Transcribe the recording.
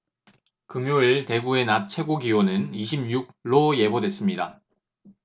금요일 대구의 낮 최고기온은 이십 육 로 예보됐습니다